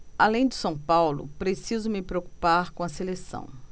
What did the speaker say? além do são paulo preciso me preocupar com a seleção